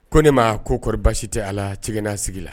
Ko ne ma koɔri basi tɛ ala cɛna sigi la